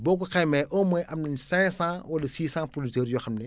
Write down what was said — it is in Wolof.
boo ko xaymaa au moins am nañ cinq cent wala six cent producteurs yoo xam ne